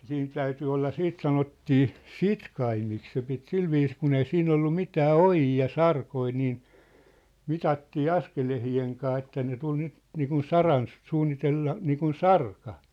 siinä täytyi olla sitten sanottiin sitkaimiksi se piti sillä viisiin kun ei siinä ollut mitään ojia ja sarkoja niin mitattiin askelten kanssa että ne tuli nyt niin kuin saran suunnitella niin kuin sarka